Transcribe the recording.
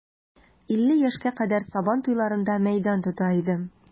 Илле яшькә кадәр сабан туйларында мәйдан тота идем.